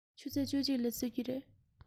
ཆུ ཚོད བཅུ གཅིག ལ གསོད ཀྱི རེད